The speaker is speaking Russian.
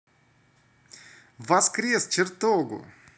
воскрес чертогу